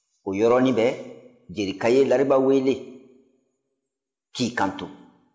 o yɔrɔnin bɛɛ jerika ye lariba wele k'i kanto